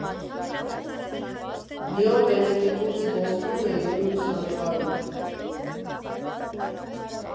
Մի օր Վենետիկում զբոսնում էի ու լուսանկարում։